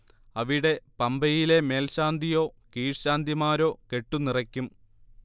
അവിടെ പമ്പയിലെ മേൽശാന്തിയോ കീഴ്ശാന്തിമാരോ കെട്ടു നിറയ്ക്കും